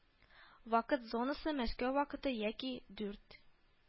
Вакыт зонасы Мәскәү вакыты яки дүрт